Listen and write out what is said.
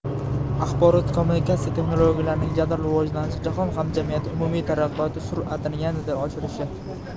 axborot kommuniktsiya texnologiyalarining jadal rivojlanishi jahon hamjamiyati umumiy taraqqiyoti sur atini yanada oshirishi